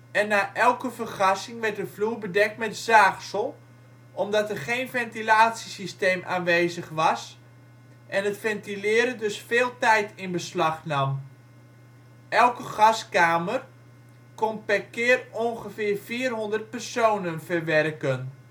en na elke vergassing werd de vloer bedekt met zaagsel, omdat er geen ventilatiesysteem aanwezig was en het ventileren dus veel tijd in beslag nam. Elke gaskamer kon per keer ongeveer vierhonderd personen verwerken